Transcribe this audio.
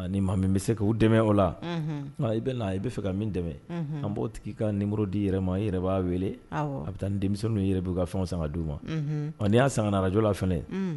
Ni bɛ se la i bɛ n' i b bɛ fɛ ka min dɛmɛ an b'o tigi ka nin di yɛrɛ ma i yɛrɛ b'a weele a bɛ taa denmisɛnww yɛrɛ b'u ka fɛn san ka d' u ma ɔ'i y'a san ka ararajjɔ la fana